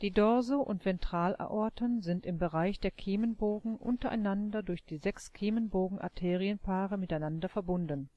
Dorso - und Ventralaorten sind im Bereich der Kiemenbogen untereinander durch die sechs Kiemenbogenarterienpaare miteinander verbunden